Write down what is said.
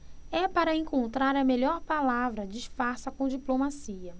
é para encontrar a melhor palavra disfarça com diplomacia